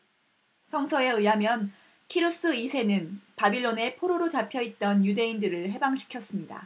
성서에 의하면 키루스 이 세는 바빌론에 포로로 잡혀 있던 유대인들을 해방시켰습니다